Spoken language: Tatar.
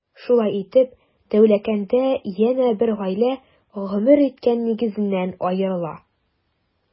Шулай итеп, Дәүләкәндә янә бер гаилә гомер иткән нигезеннән аерыла.